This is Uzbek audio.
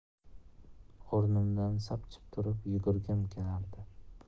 o'rnimdan sapchib turib yugurgim kelardi